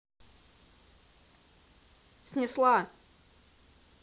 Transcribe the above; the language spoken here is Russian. снесла